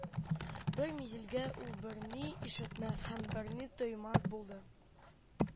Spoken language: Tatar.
Бер мизелгә ул берни ишетмәс һәм берни тойма булды